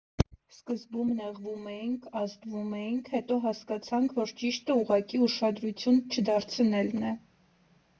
Սկզբում նեղվում էինք, ազդվում էինք, հետո հասկացանք, որ ճիշտը ուղղակի ուշադրություն չդարձնելն է։